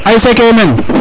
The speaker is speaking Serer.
ASC ke woy men